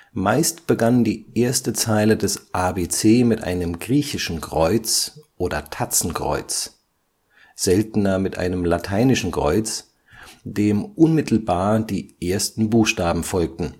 Meist begann die erste Zeile des ABC mit einem griechischen Kreuz oder Tatzenkreuz (seltener mit einem lateinischen Kreuz), dem unmittelbar die ersten Buchstaben folgten